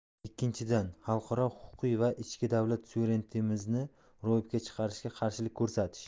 ikkinchidan xalqaro huquqiy va ichki davlat suverenitetimizni ro'yobga chiqarishga qarshilik ko'rsatish